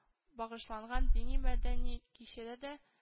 Багышланган дини-мәдәни кичәдә дә